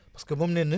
parce que moom nee na